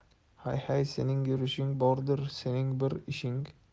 hay hay sening yurishing bordir sening bir ishing